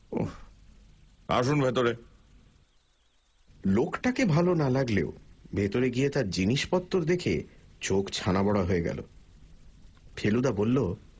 ওহ আসুন ভেতর লোকটাকে ভাল না লাগলেও ভিতরে গিয়ে তার জিনিসপত্তর দেখে চোখ ছানাবড়া হয়ে গেল ফেলুদা বলল